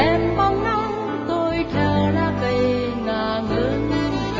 em mong nắng tôi theo lá cây ngả ngơi